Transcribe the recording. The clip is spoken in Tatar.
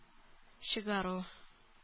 Чыгару